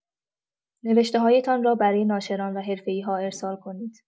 نوشته‌هایتان را برای ناشران و حرفه‌ای‌ها ارسال کنید.